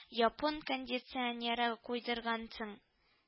Япон кондиционеры куйдыргансың